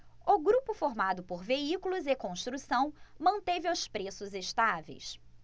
o grupo formado por veículos e construção manteve os preços estáveis